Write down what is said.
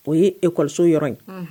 O ye ecole so yɔrɔ ye, unhun.